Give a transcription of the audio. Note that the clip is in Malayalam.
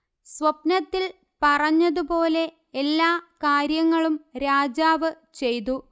സ്വപ്നത്തിൽ പറഞ്ഞതുപോലെ എല്ലാ കാര്യങ്ങളും രാജാവ് ചെയ്തു